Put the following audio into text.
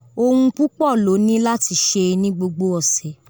Ohun púpọ̀ lo ni láti ṣe ni gbogbo ọ̀sẹ̀.